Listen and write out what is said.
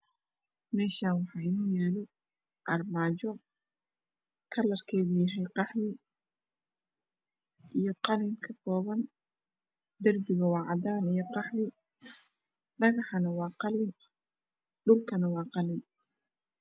Meshan waxa iyalo armajo kalarkeedo yahay qaxwi iyo qalin kaoban darbiga oocadan iyo qaxwi dhagaxana waa qalin dhulkana waa qalin